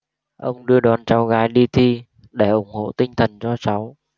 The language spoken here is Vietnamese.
ông đưa đón cháu gái đi thi để ủng hộ tinh thần cho cháu